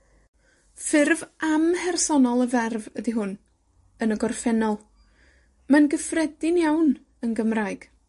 Ffurf amhersonol y ferf ydi hwn, yn y gorffennol. Mae'n gyffredin iawn yn Gymraeg.